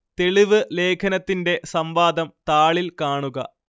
തെളിവ് ലേഖനത്തിന്റെ സംവാദം താളിൽ കാണുക